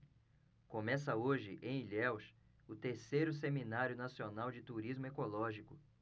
começa hoje em ilhéus o terceiro seminário nacional de turismo ecológico